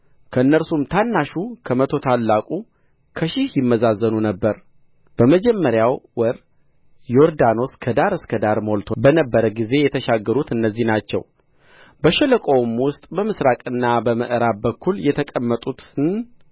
ከእነርሱም ታናሹ ከመቶ ታላቁ ከሺህ ይመዛዘኑ ነበር በመጀመሪያው ወር ዮርዳኖስ ከዳር እስከ ዳር ሞልቶ በነበረ ጊዜ የተሻገሩት እነዚህ ናቸው በሸለቆውም ውስጥ በምሥራቅና በምዕራብ በኩል የተቀመጡትን